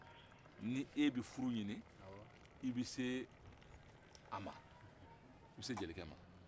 ni e bɛ furu ɲini i bɛ se a ma i bɛ se jelikɛ ma